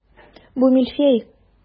Бу мильфей.